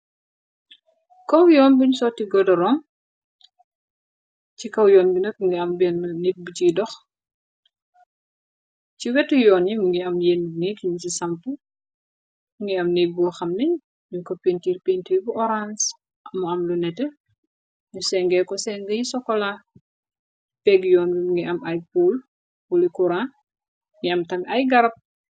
Kow yoon buñ sooti gordoron. Ci kow yoon bi nak ngi am ben nit bu ciy dox ci wetu yoon yi mi ngi am yenn nekgi n ci samp ngi am né bu xam nañ yu ko pintiir pint bu orange mu am lu nete ñu sengee ko seng yi sokola pég yoon i ngi am ay puol wulu kuran ngi am tame ay garab.